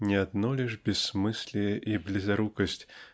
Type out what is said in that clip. но одно лишь бессмыслие и близорукость